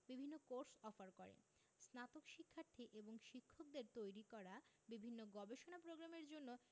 বিভিন্ন course offer করে স্নাতক শিক্ষার্থী এবং শিক্ষকদের তৈরি করা বিভিন্ন গবেষণা প্রোগ্রামের জন্য